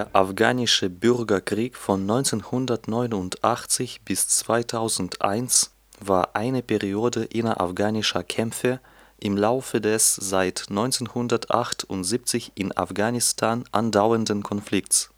Afghanische Bürgerkrieg von 1989 bis 2001 war eine Periode innerafghanischer Kämpfe im Laufe des seit 1978 in Afghanistan andauernden Konflikts